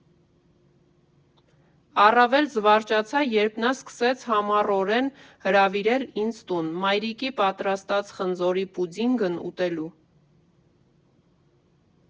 Առավել զվարճացա, երբ նա սկսեց համառորեն հրավիրել ինձ տուն, մայրիկի պատրաստած խնձորի պուդինգն ուտելու։